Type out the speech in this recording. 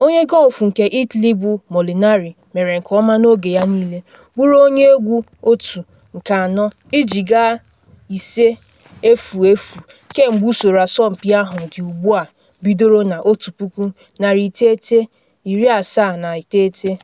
Onye gọlfụ nke Italy bụ Molinari mere nke ọma n’oge ya niile, bụrụ onye egwu 1-nke-4 iji gaa 5-0-0 kemgbe usoro asọmpi ahụ di ugbu a bidoro na 1979.